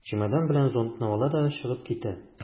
Чемодан белән зонтны ала да чыгып китә.